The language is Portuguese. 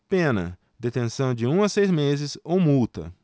pena detenção de um a seis meses ou multa